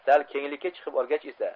sal kenglikka chiqib olgach esa